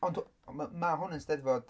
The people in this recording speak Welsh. Ond o- ma' ma' hwn yn 'Steddfod...